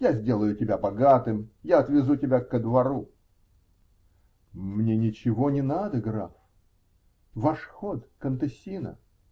Я сделаю тебя богатым, я отвезу тебя ко двору. -- Мне ничего не надо, граф. Ваш ход, контессина.